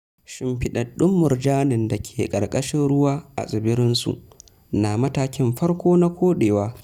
Shimfiɗaɗɗun murjanin da ke ƙarƙashin ruwa a tsibirin su na "Matakin Farko na Koɗewa"